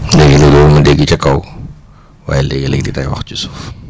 léeg-léeg doo ma dégg ca kaw waaye léegi-léeg dinaañ wax ci suuf